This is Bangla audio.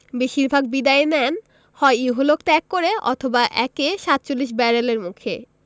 বেশির ভাগ বিদায় নেন হয় ইহলোক ত্যাগ করে অথবা একে ৪৭ ব্যারেলের মুখে